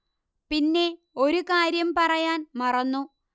പിന്നെ ഒരു കാര്യം പറയാന് മറന്നു